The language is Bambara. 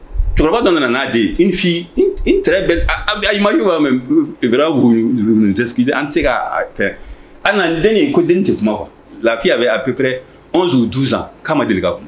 Cɛkɔrɔba dɔ nana n'a den ye une fille, une très belle à image même, tu verras où, unhun, vous nous excusez an tɛ se ka fɛn quoi a nana ni dennin ye ko den tɛ kuma, la fille avait à peu près 11 à 12 ans k'a deli ka kuma